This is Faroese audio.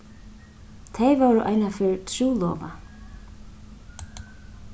tey vóru einaferð trúlovað